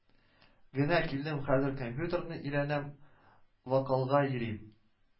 Генә килдем, хәзер компьютерны өйрәнәм, вокалга йөрим